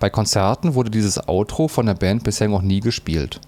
Konzerten wurde dieses „ Outro “von der Band bisher noch nie gespielt